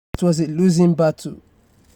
It was a losing battle.